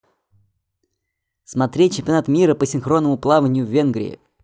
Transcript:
смотреть чемпионат мира по синхронному плаванию в венгрии